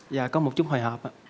dạ có một chút hồi hộp ạ